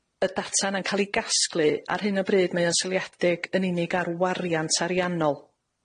y data yna'n ca'l 'i gasglu, ar hyn o bryd mae o'n seiliedig yn unig ar wariant ariannol.